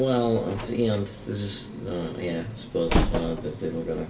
Wel ond ia ond ti jyst... o ie suppose honna ydy'r teitl gorau.